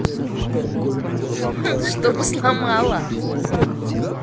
что бы сломала